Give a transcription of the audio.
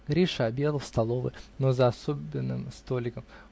Гриша обедал в столовой, но за особенным столиком